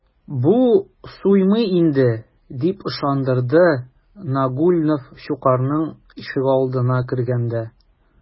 Бу суймый инде, - дип ышандырды Нагульнов Щукарьның ишегалдына кергәндә.